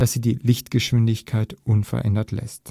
sie die Lichtgeschwindigkeit unverändert lassen